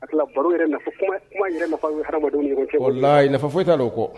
A baro kuma cɛ nafa foyi t'a kɔ